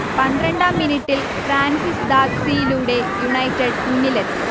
പന്ത്രണ്ടാം മിനിട്ടിൽ ഫ്രാൻസിസ് ദാദ്സീലൂടെ യുണൈറ്റഡ് മുന്നിലെത്തി